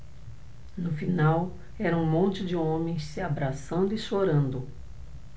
no final era um monte de homens se abraçando e chorando